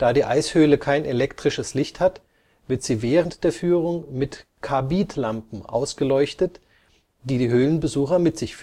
die Eishöhle kein elektrisches Licht hat, wird sie während der Führung mit Karbidlampen ausgeleuchtet, die die Höhlenbesucher mit sich